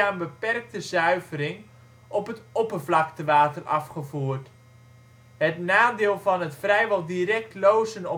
beperkte zuivering op het oppervlaktewater afgevoerd. Een nadeel van het vrijwel direct lozen